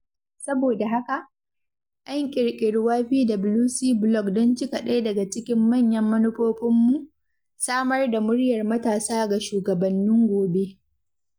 Saboda haka, an ƙirƙiri YPWC Blog don cika ɗaya daga cikin manyan manufofinmu: samar da “muryar matasa” ga shugabannin gobe.